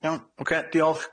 Iawn? Ocê, diolch.